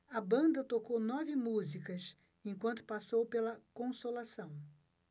a banda tocou nove músicas enquanto passou pela consolação